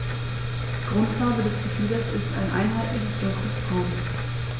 Grundfarbe des Gefieders ist ein einheitliches dunkles Braun.